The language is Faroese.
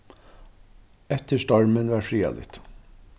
eftir stormin var friðarligt